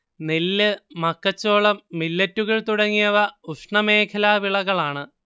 നെല്ല് മക്കച്ചോളം മില്ലെറ്റുകൾ തുടങ്ങിയവ ഉഷ്ണമേഖലാ വിളകളാണ്